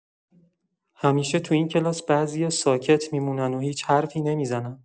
همیشه تو این کلاس بعضیا ساکت می‌مونن و هیچ حرفی نمی‌زنن.